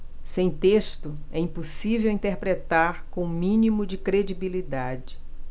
sem texto é impossível interpretar com o mínimo de credibilidade